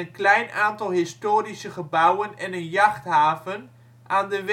klein aantal historische gebouwen en een jachthaven aan de westzijde